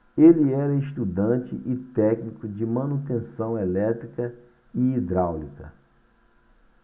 ele era estudante e técnico de manutenção elétrica e hidráulica